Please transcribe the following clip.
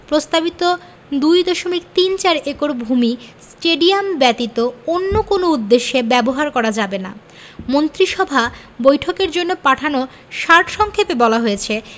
প্রস্তাবিত ২ দশমিক তিন চার একর ভূমি স্টেডিয়াম ব্যতীত অন্য কোনো উদ্দেশ্যে ব্যবহার করা যাবে না মন্ত্রিসভা বৈঠকের জন্য পাঠানো সার সংক্ষেপে বলা হয়েছে